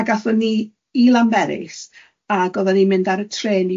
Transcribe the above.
Ag athon ni i Lanberis, ag oddan ni'n mynd ar y trên